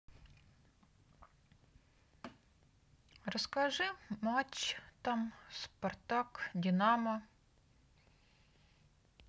расскажи матч там спартак динамо